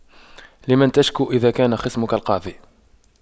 لمن تشكو إذا كان خصمك القاضي